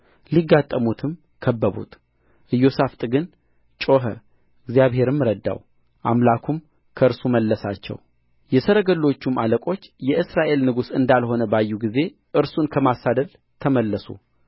ሊጋጠሙትም ከበቡት ኢዮሣፍጥ ግን ጮኸ እግዚአብሔርም ረዳው አምላኩም ከእርሱ መለሳቸው የሰረገሎቹም አለቆች የእስራኤል ንጉሥ እንዳልሆነ ባዩ ጊዜ እርሱን ከማሳደድ ተመለሱ